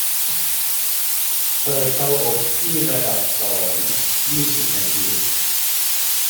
เปิดเตาอบที่ระดับสองยี่สิบนาที